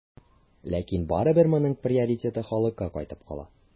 Ләкин барыбер моның приоритеты халыкка кайтып кала.